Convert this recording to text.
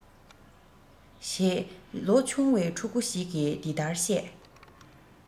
ཞེས ལོ ཆུང བའི ཕྲུ གུ ཞིག གི འདི ལྟར བཤད